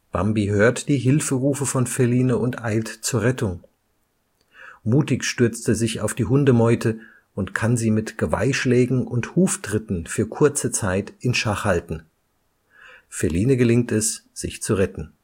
Bambi hört die Hilferufe von Feline und eilt zur Rettung. Mutig stürzt er sich auf die Hundemeute und kann sie mit Geweihschlägen und Huftritten für kurze Zeit in Schach halten. Feline gelingt es, sich zu retten